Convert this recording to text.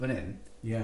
...fan hyn... Ie.